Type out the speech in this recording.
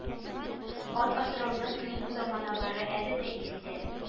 Ат асрауны тыю заманалары әле дә истә